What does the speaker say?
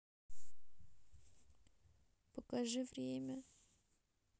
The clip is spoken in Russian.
покажи время